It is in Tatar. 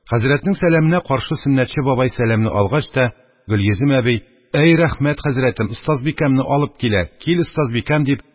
Хәзрәтнең сәламенә каршы Сөннәтче бабай сәламне алгач та, Гөлйөзем әби: «Әй рәхмәт, хәзрәтем, остазбикәмне алып килә! Кил, остазбикәм!» – дип,